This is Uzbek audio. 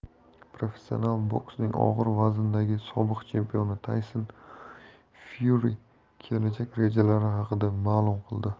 professional boksning og'ir vazndagi sobiq chempioni tayson fyuri kelajak rejalari haqida ma'lum qildi